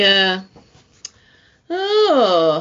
Ie.